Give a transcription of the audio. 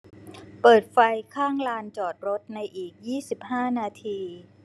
เปิดไฟข้างลานจอดรถในอีกยี่สิบห้านาที